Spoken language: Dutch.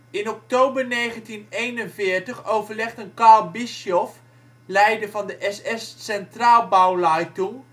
In oktober 1941 overlegden Karl Bischoff, leider van de SS-Zentralbauleitung